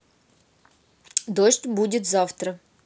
дождь будет завтра